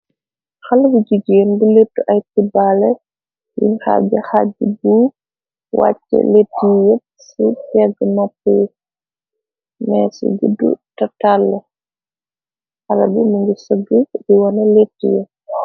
Xale bu jigéen bu leetu ay tiballe, yuñ dal de xaaji, fi wacce letiye yapp ci pegg noppu yi, nee ci digge tetalli, xale bi mi ngi sëgg di wone letiye.